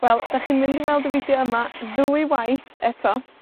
Wel, 'dach chi'n mynd i weld y fideo yma ddwy waith, eto.